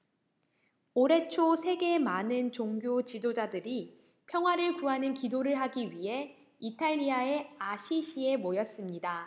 올해 초 세계의 많은 종교 지도자들이 평화를 구하는 기도를 하기 위해 이탈리아의 아시시에 모였습니다